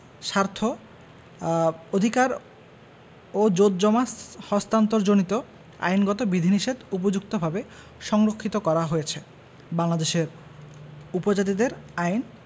স্বার্থ অধিকার ও জোতজমা হস্তান্তরজনিত আইনগত বিধিনিষেধ উপযুক্তভাবে সংরক্ষিত করা হয়েছে বাংলাদেশের উপজাতিদের আইন